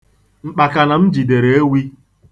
Mkpakana m jidere ewi.